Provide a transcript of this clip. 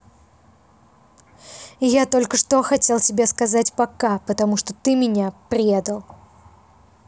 я только это хотел тебе сказать пока потому что ты меня предал